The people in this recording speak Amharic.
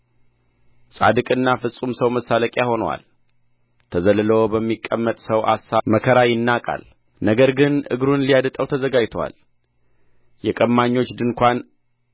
ጻድቅና ፍጹም ሰው መሳለቂያ ሆኖአል ተዘልሎ በሚቀመጥ ሰው አሳብ መከራ ይናቃል ነገር ግን እግሩን ሊያድጠው ተዘጋጅቶአል የቀማኞች ድንኳን